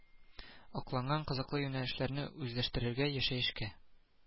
Акланган, кызыклы юнәлешләрне үзләштерергә, яшәешкә